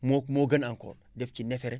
moo moo gën encore def ci neefere